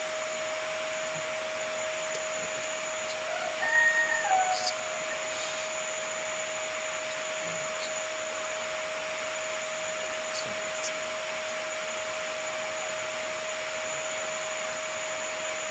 Waa miis waxaa saaran khudaar iyo saxarla iyo hilib malaay ah iyo koobo cadaan oo biyo ku jiraan